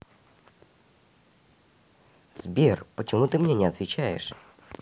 сбер почему ты мне не отвечаешь